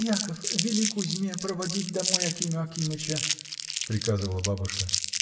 — Яков, вели Кузьме проводить домой Акима Акимыча! — приказывала бабушка.